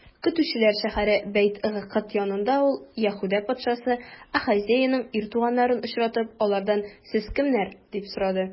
Көтүчеләр шәһәре Бәйт-Гыкыд янында ул, Яһүдә патшасы Ахазеянең ир туганнарын очратып, алардан: сез кемнәр? - дип сорады.